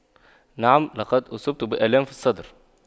نعم لقد أصبت بآلام في الصدر